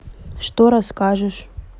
что расскажешь